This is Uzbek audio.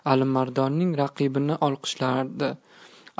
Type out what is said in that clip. alimardonning raqibini olqishlardi